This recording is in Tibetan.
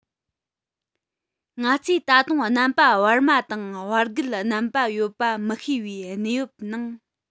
ང ཚོས ད དུང རྣམ པ བར མ དང བར བརྒལ རྣམ པ ཡོད པ མི ཤེས པའི གནས བབ ནང